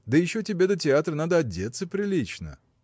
Да еще тебе до театра надо одеться прилично.